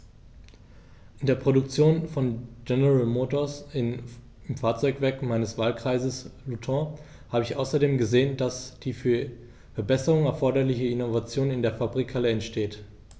In der Produktion von General Motors, im Fahrzeugwerk meines Wahlkreises Luton, habe ich außerdem gesehen, dass die für Verbesserungen erforderliche Innovation in den Fabrikhallen entsteht.